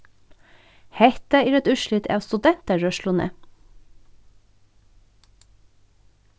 hetta er eitt úrslit av studentarørsluni